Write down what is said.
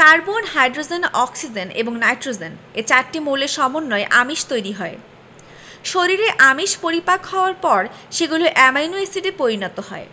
carbon hydrogen oxygen এবং nitrogen এ চারটি মৌলের সমন্বয়ে আমিষ তৈরি হয় শরীরে আমিষ পরিপাক হওয়ার পর সেগুলো অ্যামাইনো এসিডে পরিণত হয়